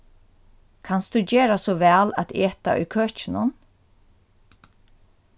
kanst tú gera so væl at eta í køkinum